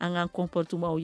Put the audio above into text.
An ka kɔnptomaw